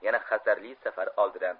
yana xatarli safar oldidan